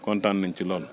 kontaan nañ ci lool